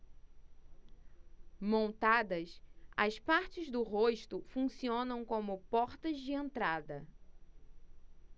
montadas as partes do rosto funcionam como portas de entrada